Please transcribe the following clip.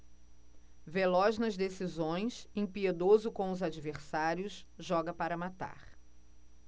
veloz nas decisões impiedoso com os adversários joga para matar